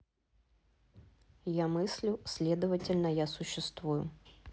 я мыслю следовательно я существую